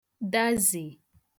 dazè